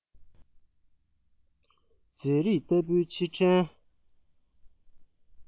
མཛེས རིས ལྟ བུའི ཕྱིར དྲན